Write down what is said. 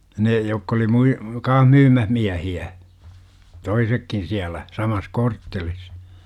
ne jotka oli - kanssa myymässä miehiä toisetkin siellä samassa korttelissa